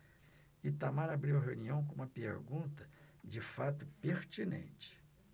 itamar abriu a reunião com uma pergunta de fato pertinente